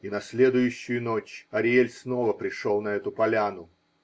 И на следующую ночь Ариэль снова пришел на эту поляну